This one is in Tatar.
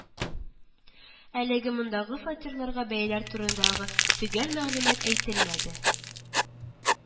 Әлегә мондагы фатирларга бәяләр турында төгәл мәгълүмат әйтелмәде